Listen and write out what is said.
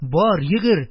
Бар, йөгер!